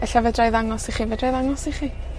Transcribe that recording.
Ella fedra i ddangos i chi, fedrai ddangos i chi?